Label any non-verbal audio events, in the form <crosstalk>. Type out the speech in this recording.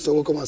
<hesitation> <hesitation>